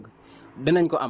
bu soobee yàlla sax dinañ si jot